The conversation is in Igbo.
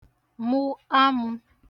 mụ amụ̄